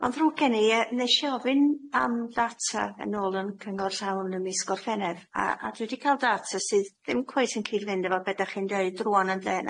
Ma'n ddrwg gen i yy nesh i ofyn am data yn ôl yn cyngor llawn ym mis Gorffenedd a a dwi di ca'l data sydd ddim cweit yn cyd-fynd efo be' dach chi'n deud rŵan ynde?